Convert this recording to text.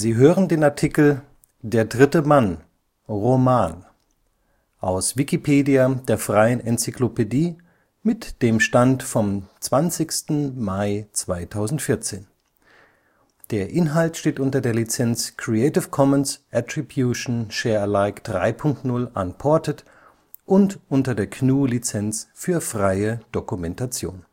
hören den Artikel Der dritte Mann (Roman), aus Wikipedia, der freien Enzyklopädie. Mit dem Stand vom Der Inhalt steht unter der Lizenz Creative Commons Attribution Share Alike 3 Punkt 0 Unported und unter der GNU Lizenz für freie Dokumentation